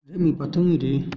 རིགས མེད ན ཐུག ངེས རེད